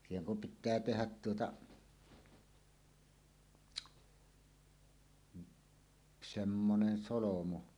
siihen kun pitää tehdä tuota semmoinen solmu